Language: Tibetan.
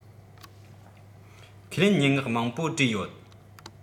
ཁས ལེན སྙན ངག མང པོ བྲིས ཡོད